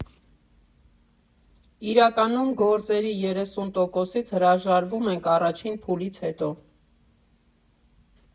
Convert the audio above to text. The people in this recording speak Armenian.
Իրականում, գործերի երեսուն տոկոսից հրաժարվում ենք առաջին փուլից հետո։